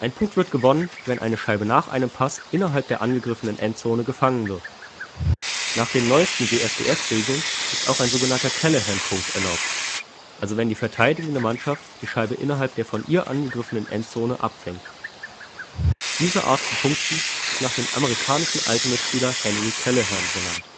Punkt wird gewonnen, wenn eine Scheibe nach einem Pass innerhalb der angegriffenen Endzone gefangen wird. Nach den neuesten WFDF-Regeln ist auch ein sogenannter Callahan-Punkt erlaubt, also wenn die verteidigende Mannschaft die Scheibe innerhalb der von ihr angegriffenen Endzone abfängt. Diese Art zu punkten ist nach dem amerikanischen Ultimate-Spieler Henry Callahan benannt